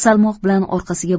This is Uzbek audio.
salmoq bilan orqasiga